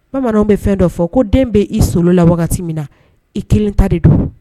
Bamananw bɛ fɛn dɔ fɔ ko den bɛ i solo la wagati min na i kelen ta de don